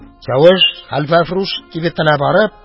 Чавыш, хәлвәфрүш кибетенә барып: